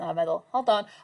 ...'na a feddwl hold on.